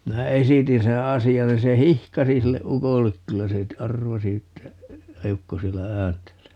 minä esitin sen asian niin se hihkaisi sille ukolle kyllä se arvasi että eukko siellä ääntelee